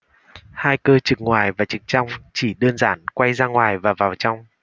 hai cơ trực ngoài và trực trong chỉ đơn giản quay ra ngoài và vào trong